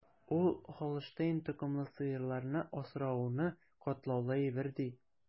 Ул Һолштейн токымлы сыерларны асрауны катлаулы әйбер, ди.